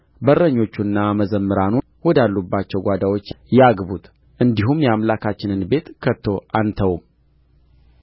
በረኞቹና መዘምራኑ ወዳሉባቸው ጓዳዎች ያግቡት እንዲሁም የአምላካችንን ቤት ከቶ አንተውም